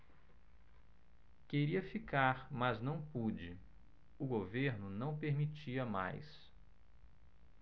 queria ficar mas não pude o governo não permitia mais